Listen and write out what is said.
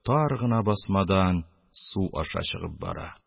Тар гына басмадан су аша чыгып бара.